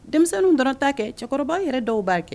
Denmisɛnnin dɔrɔn ta kɛ cɛkɔrɔba yɛrɛ dɔw b'a kɛ